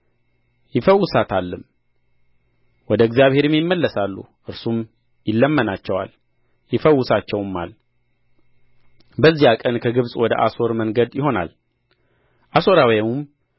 ይፈውሳታልም ወደ እግዚአብሔርም ይመለሳሉ እርሱም ይለመናቸዋል ይፈውሳቸውማል በዚያ ቀን ከግብጽ ወደ አሦር መንገድ ይሆናል አሦራዊውም